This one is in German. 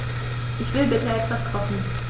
Ich will bitte etwas kochen.